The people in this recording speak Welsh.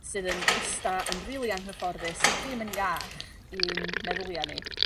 sydd yn ista yn rili anghyfforddus sydd ddim yn iach i'n meddylia ni.